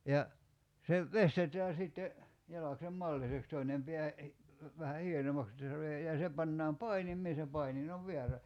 ja se veistetään sitten jalaksen malliseksi toinen pää vähän hienommaksi että se tulee ja se pannaan painimeen se painin on väärä